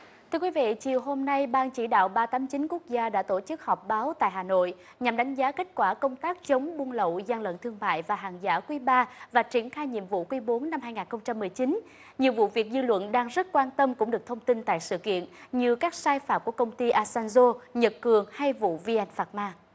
thưa quý vị chiều hôm nay ban chỉ đạo ba tám chín quốc gia đã tổ chức họp báo tại hà nội nhằm đánh giá kết quả công tác chống buôn lậu gian lận thương mại và hàng giả quý ba và triển khai nhiệm vụ quý bốn năm hai ngàn không trăm mười chín nhiều vụ việc dư luận đang rất quan tâm cũng được thông tin tại sự kiện như các sai phạm của công ty a xan dô nhật cường hay vụ vi en phạc ma